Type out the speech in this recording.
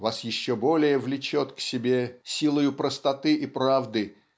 вас еще более влечет к себе силою простоты и правды